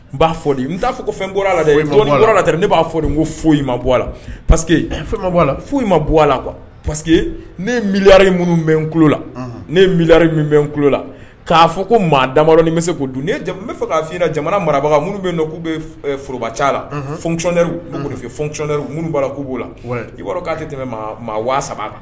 N b'a fɔ n t'a fɔ ko fɛn bɔ la latɛ ne b'a fɔ ko f ma bɔ a la paseke fɛn b' a la foyi ma bɔ a la miri minnu bɛ n la ne miri min bɛ la k'a fɔ ko maa da ni bɛ se' dun bɛ fɛ k'afin i jamana marabaga minnu bɛ k'u bɛ forooroba ca la fconɛri fcɔnɛ minnu bla' b'u la i'a k'a kɛ tɛmɛ maa waa saba la